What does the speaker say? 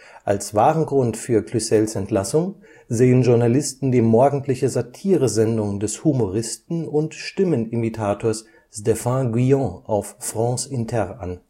Als wahren Grund für Cluzels Entlassung sehen Journalisten die morgendliche Satiresendung des Humoristen und Stimmenimitators Stéphane Guillon auf France Inter an